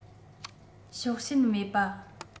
ཕྱོགས ཞེན མེད པ